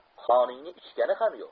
qoningni ichgani ham yo'q